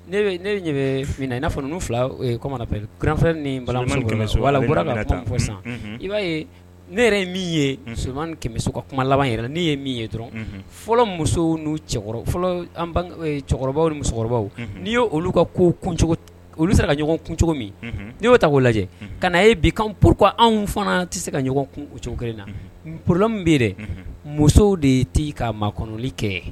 Ne f n'a fila kuranfɛ ni tan sisan i'a ye ne yɛrɛ ye min ye suman kɛmɛ so ka kuma laban in yɛrɛ n'i ye min ye dɔrɔn fɔlɔ muso n cɛkɔrɔbaw ni musokɔrɔba n'i y' olu ka ko olu sera ka ɲɔgɔn kun cogo min n'i y'o ta oo lajɛ ka na ye bi p an fana tɛ se ka cogo kelen na porola bɛ musow de ye' ka ma kɔnɔnli kɛ